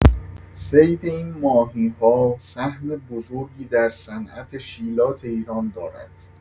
صید این ماهی‌ها سهم بزرگی در صنعت شیلات ایران دارد.